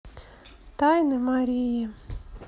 тайны марии